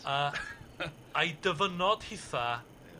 A a'i dyfynod hitha. Ia.